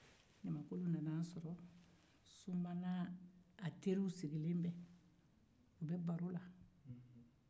ɲamankolon nana sɔrɔ sunba n'a teriw sigilen be baro la